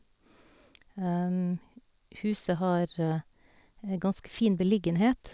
Huset har ganske fin beliggenhet.